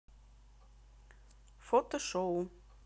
фото шоу